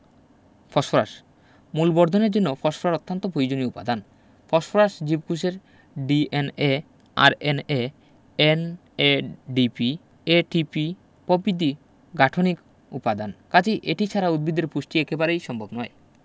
phosphorus মূল বর্ধনের জন্য ফসফরাস অত্যন্ত প্রয়োজনীয় উপাদান ফসফরাস জীবকোষের DNA RNA NADP ATP প্রভৃতির গাঠনিক উপাদান কাজেই এটি ছাড়া উদ্ভিদের পুষ্টি একেবারেই সম্ভব নয়